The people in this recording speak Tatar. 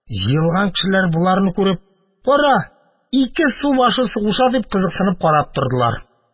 Җыелган кешеләр боларны күреп, «кара, ике субашы сугыша» дип, кызыксынып карап тордылар.